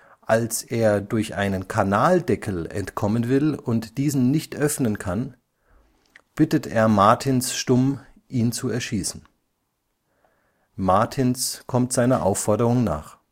Als er durch einen Kanaldeckel entkommen will und diesen nicht öffnen kann, bittet er Martins stumm, ihn zu erschießen. Martins kommt seiner Aufforderung nach